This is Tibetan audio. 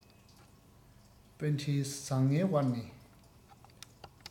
པར འཕྲིན བཟང ངན དབར ནས